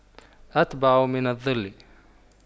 أتبع من الظل